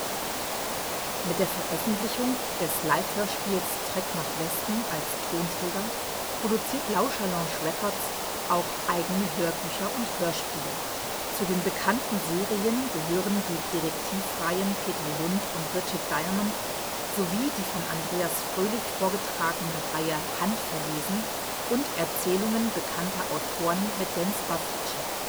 Mit der Veröffentlichung des Live-Hörspiels Trek nach Westen als Tonträger produziert Lauscherlounge Records auch eigene Hörbücher und Hörspiele. Zu den bekannten Serien gehören die Detektivreihen Peter Lundt und Richard Diamond sowie die von Andreas Fröhlich vorgetragene Reihe Handverlesen und Erzählungen bekannter Autoren mit Jens Wawrczeck